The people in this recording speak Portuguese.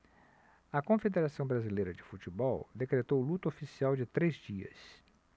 a confederação brasileira de futebol decretou luto oficial de três dias